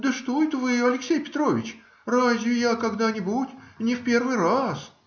- Да что это вы, Алексей Петрович, разве я когда-нибудь. не в первый раз!